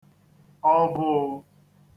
ọvụụ̄